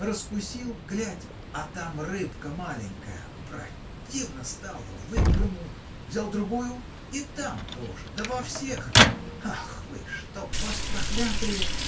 раскусил – глядь: а там рыбка маленькая противно стало, выплюнул взял другую – и там то же да во всех. ах вы, чтоб вас, проклятые!.